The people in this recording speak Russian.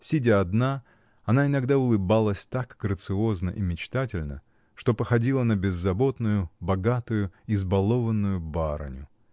Сидя одна, она иногда улыбалась так грациозно и мечтательно, что походила на беззаботную, богатую, избалованную барыню.